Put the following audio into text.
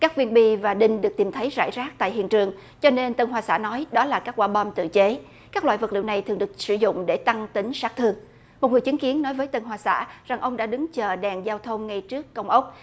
các viên bi và đinh được tìm thấy rải rác tại hiện trường cho nên tân hoa xã nói đó là các quả bom tự chế các loại vật liệu này thường được sử dụng để tăng tính xác thực của người chứng kiến nói với tân hoa xã rằng ông đã đứng chờ đèn giao thông ngày trước công ốc